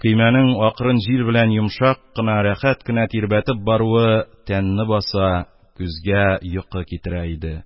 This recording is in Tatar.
Көймәнең акрын җил белән йомшак кына, рәхәт кенә тирбәтеп баруы тәнне баса, күзгә йокы китерә иде.